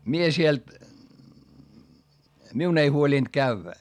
minä siellä minun ei huolinut käydä